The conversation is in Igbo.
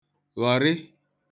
ghọ̀rị̀